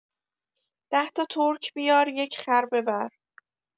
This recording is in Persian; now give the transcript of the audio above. ده‌تا ترک بیار یک خر ببر